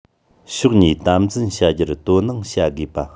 ཕྱོགས གཉིས དམ འཛིན བྱ རྒྱུར དོ སྣང བྱ དགོས པ